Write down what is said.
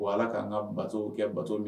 O ala k'an ka bato kɛ bato min